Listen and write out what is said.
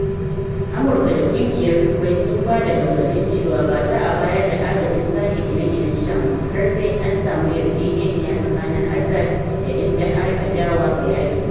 Amurka da Kungiyar Turai sun ba da gargadi cewa ba za’a bayar da agajin sake gine-ginen Sham ba har sai an samu yarjejeniya tsakanin Assad da ‘yan adawa ga yakin.